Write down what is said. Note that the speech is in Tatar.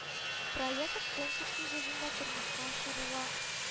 Проект конкурс нигезендә тормышка ашырыла